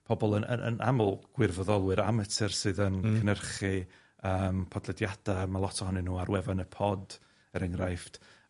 pobol yn yn yn aml gwirfoddolwyr, amatur sydd yn... Hmm. ...cynhyrchu yym podlediada, ma' lot ohonyn nhw ar wefan y pod, er enghraifft,